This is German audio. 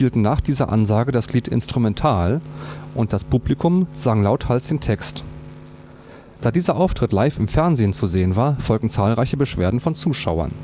nach dieser Ansage das Lied instrumental, und das Publikum sang lauthals den Text. Da dieser Auftritt live im Fernsehen zu sehen war, folgten zahlreiche Beschwerden von Zuschauern